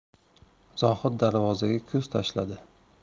zohid darvozaga ko'z tashladi